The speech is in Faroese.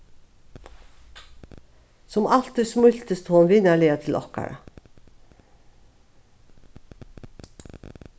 sum altíð smíltist hon vinarliga til okkara